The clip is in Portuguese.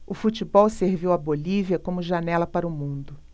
o futebol serviu à bolívia como janela para o mundo